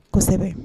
Kosɛbɛ